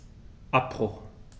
Abbruch.